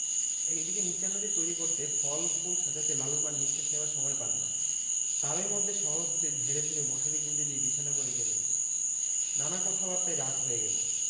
এদিকে মিষ্টান্নাদি তৈরি করতে ফল ফুল সাজাতে লালুর মা নিঃশ্বাস নেবার সময় পান না তারই মধ্যে স্বহস্তে ঝেড়েঝুড়ে মশারি গুঁজে দিয়ে বিছানা করে গেলেন নানা কথাবার্তায় রাত হয়ে গেল